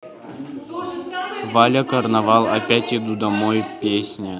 валя карнавал опять иду домой песня